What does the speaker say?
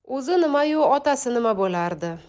o'zi nimayu otasi nima bo'lardi